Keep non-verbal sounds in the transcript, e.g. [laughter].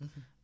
[hesitation] [hesitation]